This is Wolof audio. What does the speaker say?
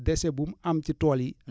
ddéchet bu mu am ci tool yi